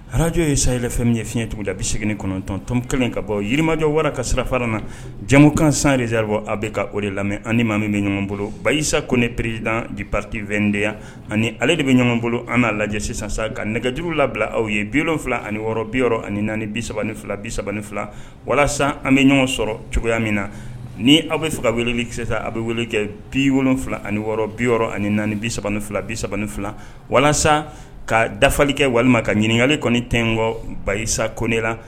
Arajo ye say yɛrɛ fɛn min ye fiɲɛɲɛ tugu la bi segin kɔnɔntɔntɔn kelen ka bɔ yirimajɔ wara ka sirafara na jamumukan san zaliribɔ a bɛ ka o de lamɛn ani maa min bɛ ɲɔgɔn bolo basa ko ne peretid bipriti2de yan ani ale de bɛ ɲɔgɔn bolo an n'a lajɛ sisan san nka nɛgɛjuru labila aw ye bi wolonwula ani wɔɔrɔ bi6 ani naani bi3 fila bi3 fila walasa an bɛ ɲɔgɔn sɔrɔ cogoya min na ni aw bɛ fɛ ka welelikisɛ a bɛ wele kɛ bi wolon wolonwula ani wɔɔrɔ bi6 ani naani bi3 fila bi3 fila walasa ka dafafali kɛ walima ka ɲininkakali kɔni tɛ kɔ basa ko nee la